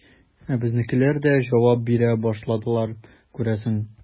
Безнекеләр дә җавап бирә башладылар, күрәсең.